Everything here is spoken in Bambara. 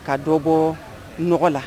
Ka dɔ bɔ nɔgɔya la.